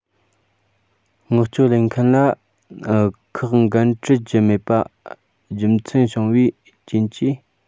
མངགས བཅོལ ལེན མཁན ལ ཁག འགན དཀྲི རྒྱུ མེད པའི རྒྱུ མཚན བྱུང བའི རྐྱེན གྱིས